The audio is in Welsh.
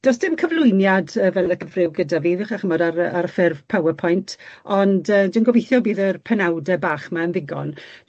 Do's dim cyflwyniad yy fel y cyfryw gyda fi ddechra chimod ar yy ar ffurf PowerPoint ond yy dwi'n gobithio bydd yr penawde bach 'ma'n ddigon.